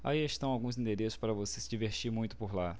aí estão alguns endereços para você se divertir muito por lá